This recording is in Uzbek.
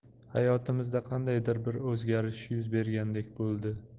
hayotimizda qandaydir bir o'zgarish yuz bergandek bo'ldi